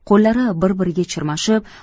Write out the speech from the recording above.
qo'llari bir biriga chirmashib